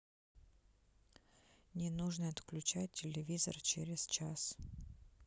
не нужно отключать телевизор через час